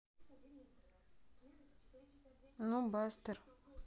ну бастер